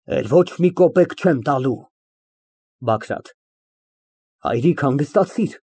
Էլ ոչ մի կոպեկ չեմ տալու։ ԲԱԳՐԱՏ ֊ Հայրիկ հանգստացիր։